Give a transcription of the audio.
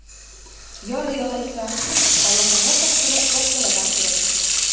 Ярый алайса, Аллаһыга тапшырып башларга кирәк.